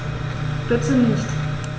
Bitte nicht.